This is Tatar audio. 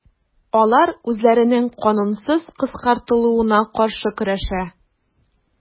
Алар үзләренең канунсыз кыскартылуына каршы көрәшә.